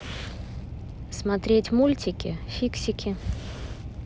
смотреть мультики фиксики